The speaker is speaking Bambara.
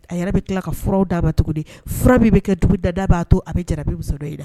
A yɛrɛ bɛ tila ka fura daba tuguni di fura bɛ bɛ kɛ dugu da daba a to a bɛ jara muso dɔ i da